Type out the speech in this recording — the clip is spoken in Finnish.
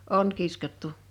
on kiskottu